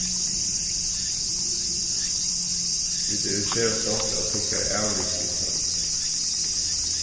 vit eru sera stolt av tykkara avriki í kvøld